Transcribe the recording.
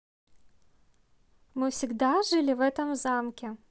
мы всегда жили в этом замке